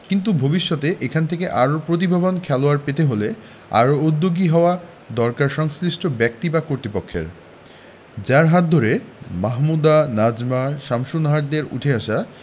কিন্তু ভবিষ্যতে এখান থেকে আরও প্রতিভাবান খেলোয়াড় পেতে হলে আরও উদ্যোগী হওয়া দরকার সংশ্লিষ্ট ব্যক্তি বা কর্তৃপক্ষের যাঁর হাত ধরে মাহমুদা নাজমা শামসুন্নাহারদের উঠে আসা